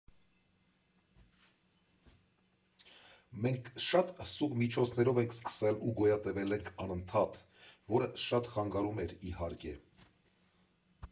Մենք շատ սուղ միջոցներով ենք սկսել ու գոյատևել ենք անընդհատ, որը շատ խանգարում էր, իհարկե։